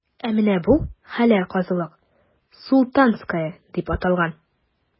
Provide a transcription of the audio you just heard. Ә менә бу – хәләл казылык,“Султанская” дип аталган.